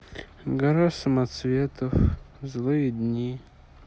гора самоцветов злые дни